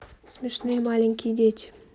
смешные маленькие дети